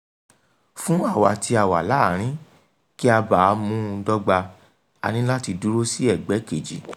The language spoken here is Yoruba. Fún àwa tí a wà láàárín, kí a ba mú un dọ́gba, a ní láti dúró sí ẹ̀gbẹ́ kejì.